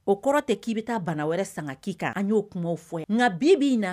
O kɔrɔ tɛ k'i bɛ taa bana wɛrɛ san ka k'i kan an y'o kuma fɔ yan nka bi bi in na